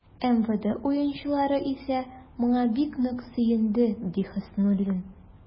МВД уенчылары исә, моңа бик нык сөенде, ди Хөснуллин.